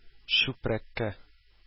Чүпрәккә